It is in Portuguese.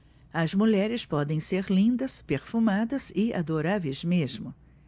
as mulheres podem ser lindas perfumadas e adoráveis mesmo